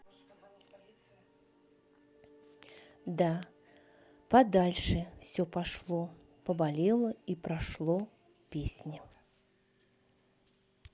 да подальше все пошло поболело и прошло песня